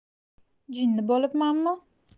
jinni bo'libmanmi